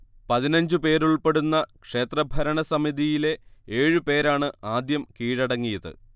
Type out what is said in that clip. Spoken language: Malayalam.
പതിനഞ്ചുപേരുൾപ്പെടുന്ന ക്ഷേത്രഭരണസമിതിയിലെ ഏഴുപേരാണ് ആദ്യം കീഴടങ്ങിയത്